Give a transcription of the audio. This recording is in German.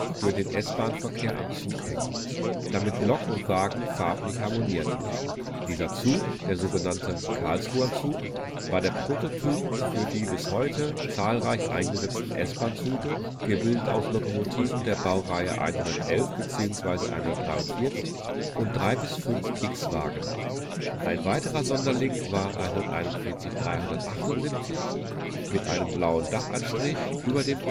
für den S-Bahnverkehr am Zug hängen, damit Lok und Wagen farblich harmonierten. Dieser Zug, der sogenannte „ Karlsruher Zug “, war der Prototyp für die bis heute zahlreich eingesetzten S-Bahn-Züge, gebildet aus Lokomotiven der Baureihen 111 bzw 143 und drei bis fünf x-Wagen. Ein weiterer Sonderling war 141 378 mit einem blauen Dachanstrich über dem